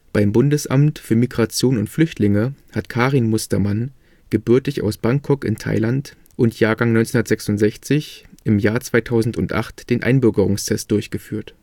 Beim Bundesamt für Migration und Flüchtlinge hat Karin Mustermann, gebürtig aus Bangkok in Thailand und Jahrgang 1966, im Jahr 2008 den Einbürgerungstest durchgeführt